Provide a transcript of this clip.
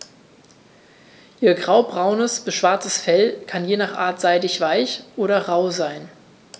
Ihr graubraunes bis schwarzes Fell kann je nach Art seidig-weich oder rau sein.